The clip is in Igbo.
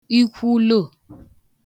ikwuụlò